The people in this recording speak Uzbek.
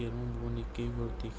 ermon buvanikiga yugurdik